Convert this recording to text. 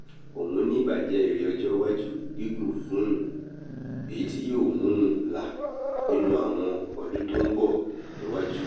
Òhun níì ìbájẹ́ èrè ọjọ́ iwájú gígùn fún un èyití yóò mú un là nínú́ àwọn ọdún tónbo níwájú́.